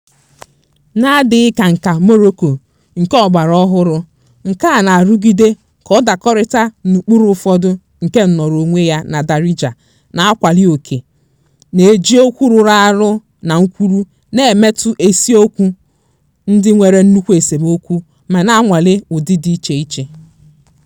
N'adịghị ka nkà Morocco nke ọgbaraọhụrụ, nke a na-arụgide ka ọ dakọrịta n'ụkpụrụ ụfọdụ, nkà nọọrọ onwe ya na Darija na-akwali ókè, na-eji okwu rụrụ arụ na nkwulu, na-emetụ isiokwu ndị nwere nnukwu esemokwu, ma na-anwale ụdị dị icheiche.